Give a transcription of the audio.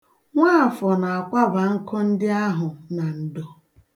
Nwaafọ na-akwaba nkụ ndị ahụ na ndo.